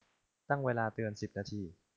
ตั้งเวลาเตือนสิบนาที